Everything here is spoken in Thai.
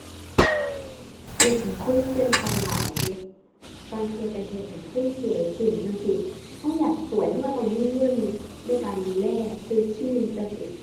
เฮ็ดให้คนเปลี่ยนไปหลายเดะ บางเที่ยก็เฮ็ดให้คนสวยขึ้นจั่งซี้ ก็อยากสวยก็ก็ต้องมีเงินในการดูแล ซื้อครีมจั่งซี้